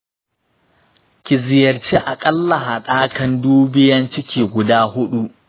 ki ziyarci aƙalla haɗakan dubiyan ciki guda huɗu.